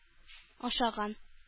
Ашаган